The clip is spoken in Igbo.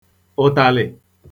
ụ̀tàlị̀